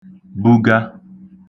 buga